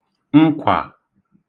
nkwà